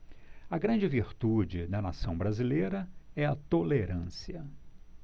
a grande virtude da nação brasileira é a tolerância